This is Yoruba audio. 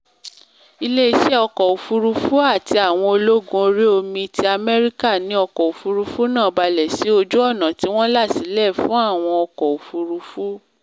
Ilé-iṣẹ́ ọkọ̀-òfúrufú àti àwọn ológun orí-omí ti Amẹ́ríkà ní ọkọ̀-òfúrufú náà balẹ̀ sí ojú-ọ̀nà tí wọ́n là sílẹ̀ fún àwọn ọkọ̀-òfúrufú.